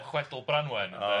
o chwedl Branwen ynde...